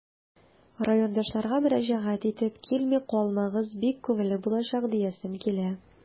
Райондашларга мөрәҗәгать итеп, килми калмагыз, бик күңелле булачак диясем килә.